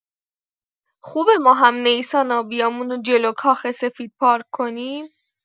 خوبه ما هم نیسان آبیامونو جلو کاخ سفید پارک کنیم؟